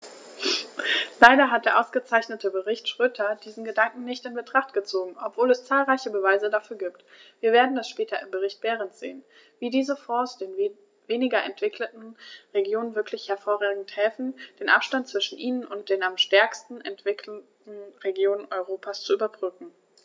Leider hat der ausgezeichnete Bericht Schroedter diesen Gedanken nicht in Betracht gezogen, obwohl es zahlreiche Beweise dafür gibt - wir werden das später im Bericht Berend sehen -, wie diese Fonds den weniger entwickelten Regionen wirklich hervorragend helfen, den Abstand zwischen ihnen und den am stärksten entwickelten Regionen Europas zu überbrücken.